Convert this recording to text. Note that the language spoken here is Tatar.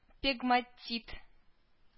Пегматит